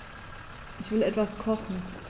Ich will etwas kochen.